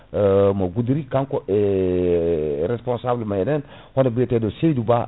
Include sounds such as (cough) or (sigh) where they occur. (hesitation) mo Goudiri kanko e responsable meɗen hono biyateɗo Saydou Ba